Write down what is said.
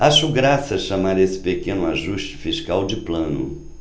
acho graça chamar esse pequeno ajuste fiscal de plano